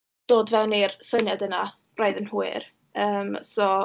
dod fewn i'r syniad yna braidd yn hwyr. Yym, so...